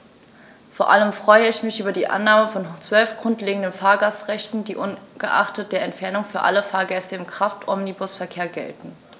Vor allem freue ich mich über die Annahme von 12 grundlegenden Fahrgastrechten, die ungeachtet der Entfernung für alle Fahrgäste im Kraftomnibusverkehr gelten.